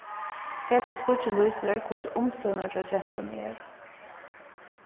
hesin skuggin lýsir hvussu umstøðurnar hjá gentuni eru